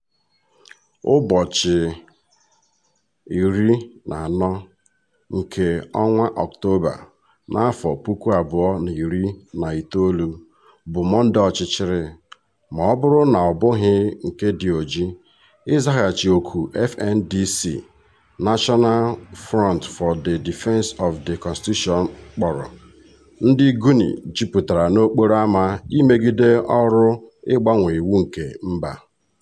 Ụbọchị 14 nke Ọktoba, 2019, bụ Mọnde ọchịchịrị, ma ọ bụrụ na ọ bụghị nke dị oji, ịzaghachi òkù FNDC [National Front for the Defense of the constitution] kpọrọ, ndị Guinea jupụtara n'okporo ama imegide ọrụ ịgbanwe iwu nke mba.